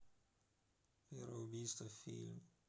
первое убийство фильм